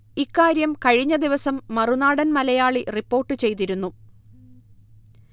ഇക്കാര്യം കഴിഞ്ഞ ദിവസം മറുനാടൻ മലയാളി റിപ്പോർട്ട് ചെയ്തിരുന്നു